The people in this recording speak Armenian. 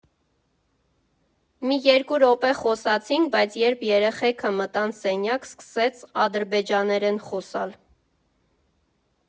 Մի երկու րոպե խոսացինք, բայց երբ երեխեքը մտան սենյակ, սկսեց ադրբեջաներեն խոսալ…